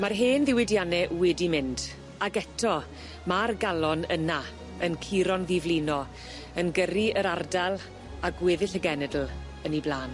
Ma'r hen ddiwydianne wedi mynd, ag eto ma'r galon yna yn curo'n ddiflino yn gyrru yr ardal a gweddill y genedl yn 'i blan.